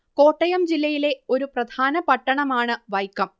കോട്ടയം ജില്ലയിലെ ഒരു പ്രധാന പട്ടണം ആണ് വൈക്കം